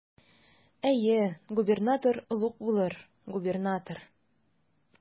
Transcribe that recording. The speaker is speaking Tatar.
Әйе, губернатор олуг булыр, губернатор.